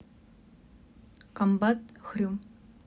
комбат хрю